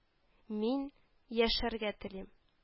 Мин яшәргә телим